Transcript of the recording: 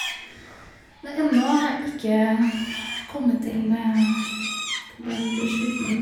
Men ennå har har jeg ikke kommet til til en beslutning.